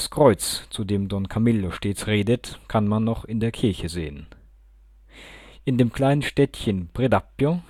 Kreuz, zu dem Don Camillo stets redet, kann man noch in der Kirche sehen. In dem kleinen Städtchen Predappio